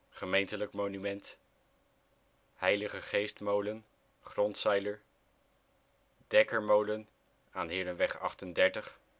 gemeentelijk monument) Heiligegeestmolen, grondzeiler Dekkermolen, Herenweg 38